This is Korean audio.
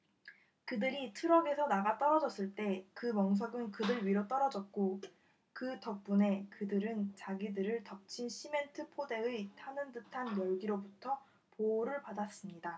그들이 트럭에서 나가떨어졌을 때 그 멍석은 그들 위로 떨어졌고 그 덕분에 그들은 자기들을 덮친 시멘트 포대의 타는 듯한 열기로부터 보호를 받았습니다